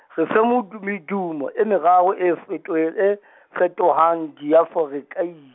fe fe medumi- -dumo e meraro e fetohl- e , fetohang diaforekei-.